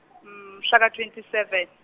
mhla ka- twenty seven.